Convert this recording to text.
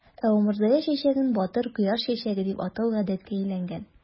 Ә умырзая чәчәген "батыр кояш чәчәге" дип атау гадәткә әйләнгән.